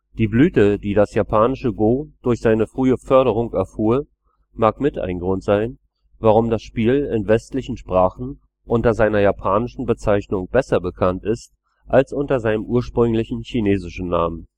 Die Blüte, die das japanische Go durch seine frühe Förderung erfuhr, mag mit ein Grund sein, warum das Spiel in westlichen Sprachen unter seiner japanischen Bezeichnung besser bekannt ist als unter seinem ursprünglichen chinesischen Namen